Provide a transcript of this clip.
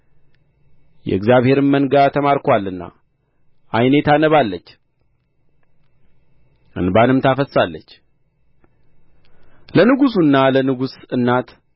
የእግዚአብሔርም መንጋ ተማርኮአልና ዓይኔ ታነባለች እንባንም ታፈስሳለች ለንጉሡና ለንጉሥ እናት